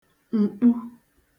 m̀kpu